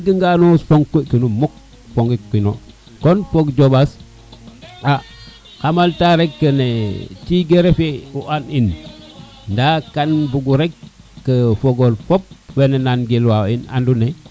o jega ngano fonk kino mukk fongit kino kon fog jobaas a xamalta kene tige refe o an in kan bugo rek fogole fop wena nan gil wa in andu ne